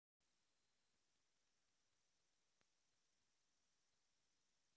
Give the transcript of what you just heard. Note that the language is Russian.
утиные истории серия один